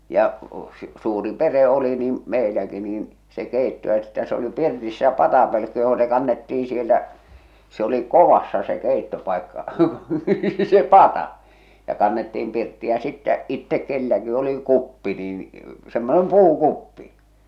ja - suuri perhe oli niin meilläkin niin se keitto että se oli pirtissä patapölkky johon se kannettiin sieltä se oli kovassa se keittopaikka se pata ja kannettiin pirttiin ja sitten itse kenelläkin oli kuppi niin semmoinen puukuppi